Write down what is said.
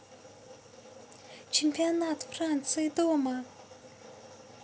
чемпионат франции дома